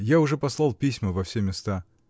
Я уже послал письма во все места.